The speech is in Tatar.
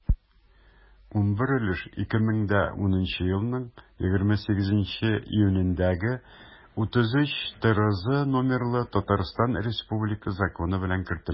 11 өлеш 2010 елның 28 июнендәге 33-трз номерлы татарстан республикасы законы белән кертелде.